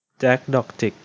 แจ็คดอกจิก